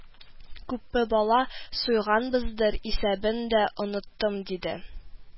Күпме бала суйганбыздыр, исәбен дә оныттым, – диде